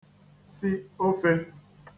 -si ofē